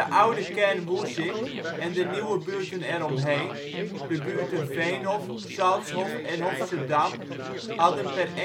oude kern Woezik en de nieuwe buurten eromheen (de buurten Veenhof, Saltshof en Hofse Dam) hadden per